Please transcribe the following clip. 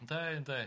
Yndi yndi.